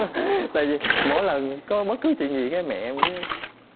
tại vì mỗi lần có bất cứ chuyện gì cái mẹ em